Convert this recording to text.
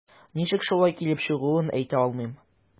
Ничек шулай килеп чыгуын әйтә алмыйм.